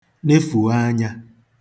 nefùo anyā